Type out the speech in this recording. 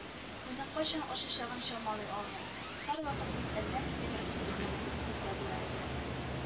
Күзен кайчан ачачагын чамалый алмый, һәрвакыт ул әллә нинди бер көтелмәгән мизгелдә була иде